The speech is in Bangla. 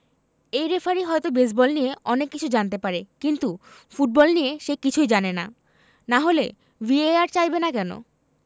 এই রেফারি হয়তো বেসবল নিয়ে অনেক কিছু জানতে পারে কিন্তু ফুটবল নিয়ে সে কিছুই জানে না না হলে ভিএআর চাইবে না কেন